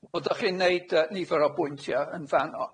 Wel dach chi'n neud yy nifer o bwyntie yn fan'o.